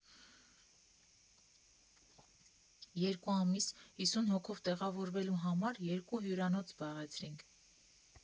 Երկու ամիս հիսուն հոգով տեղավորվելու համար երկու հյուրանոց զբաղեցրինք։